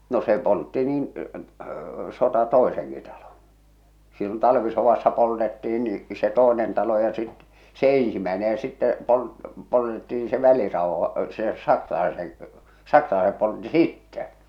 no se poltti niin sota toisenkin talon silloin talvisodassa poltettiin niin se toinen talo ja sitten se ensimmäinen ja sitten - poltettiin se välirauha se saksalaisen saksalaiset poltti sitten